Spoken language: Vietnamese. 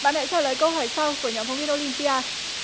bạn hãy trả lời câu hỏi sau của nhóm phóng viên ô lim pi a